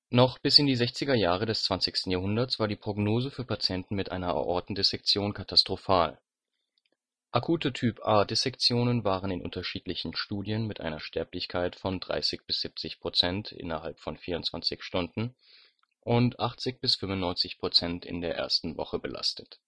Noch bis in die 60er Jahre des 20. Jahrhunderts war die Prognose für Patienten mit einer Aortendissektion katastrophal. Akute Typ-A-Dissektionen waren in unterschiedlichen Studien mit einer Sterblichkeit (Letalität) von 30 – 70 % innerhalb von 24 Stunden und 80 – 95 % in der ersten Woche belastet